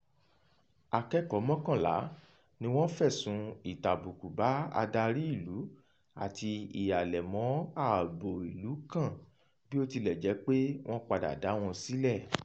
Akẹ́kọ̀ọ́ mọ́kànlá ni wọ́n fẹ̀sùn "ìtàbùkù bá adarí ìlú" àti "ìhàlẹ̀ mọ́ ààbò ìlú" kàn, bí ó tilẹ̀ jẹ́ pé wọ́n padà dá wọn sílẹ̀.